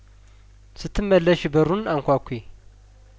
ስትመለሺ በሩን አንኳኲ